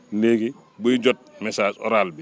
léegi buy jot message oral bi